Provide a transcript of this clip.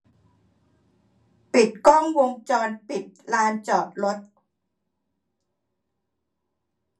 ปิดกล้องวงจรปิดลานจอดรถ